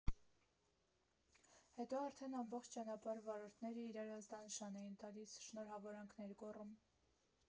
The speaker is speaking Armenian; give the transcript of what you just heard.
Հետո արդեն ամբողջ ճանապարհ վարորդները իրար ազդանշան էին տալիս, շնորհավորանքներ գոռում։